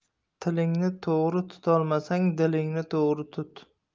tilingni to'g'ri tutolmasang dilingni to'g'ri tut